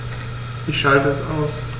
Ich schalte es aus.